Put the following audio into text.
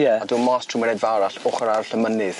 Ie. A do' mas trw mynedfa arall ochor arall y mynydd.